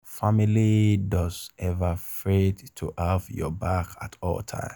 Famalay doh ever ‘fraid to have your back at all time...